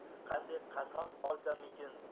qanday qasos olsamikin